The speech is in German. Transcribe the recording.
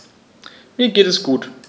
Mir geht es gut.